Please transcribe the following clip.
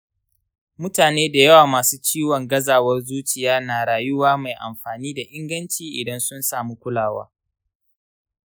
mutane dayawa masu ciwon gazawar zuciya na rayuwa mai amfani da inganci idan sun samu kulawa